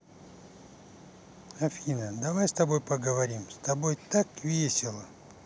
афина давай с тобой поговорим с тобой так весело